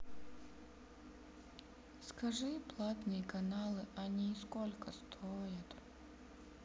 скажи платные каналы они сколько стоят